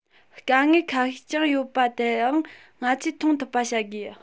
དཀའ ངལ ཁ ཤས ཀྱང ཡོད པ དེའང ང ཚོས མཐོང ཐུབ པ བྱ དགོས